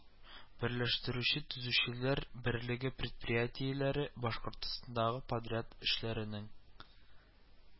Берләштерүче төзүчеләр берлеге предприятиеләре башкортстандагы подряд эшләренең